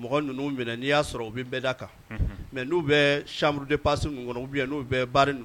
Mɔgɔ ninnu n'i y'a sɔrɔ u bɛ bɛɛ da kan mɛ n'u bɛ samuru de pasi' bɛri